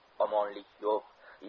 omonlik yo'q